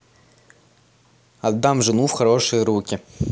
отдам жену в хорошие руки